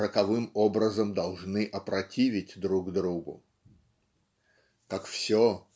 роковым образом должны опротиветь друг другу" "как все